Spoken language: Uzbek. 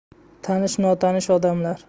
tanish notanish odamlar